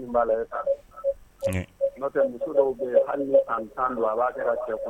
No tɛ misi dɔw bɛ a'a kɛra